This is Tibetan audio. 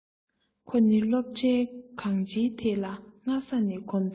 ཁོ ནི སློབ གྲྭའི གང སྤྱིའི ཐད ལ སྔ ས ནས གོམ ཚར